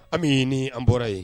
An bɛ ni an bɔra ye